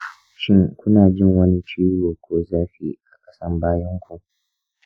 shin kuna jin wani ciwo ko zafi a kasan bayanku?